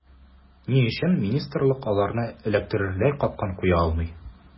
Ни өчен министрлык аларны эләктерердәй “капкан” куя алмый.